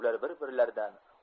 ular bir birlaridan